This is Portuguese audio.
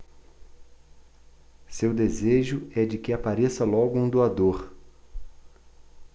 seu desejo é de que apareça logo um doador